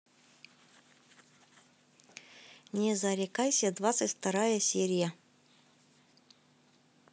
не зарекайся двадцать вторая серия